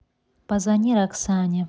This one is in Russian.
позвони роксане